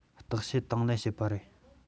བརྟག དཔྱད དང ལེན བྱས པ རེད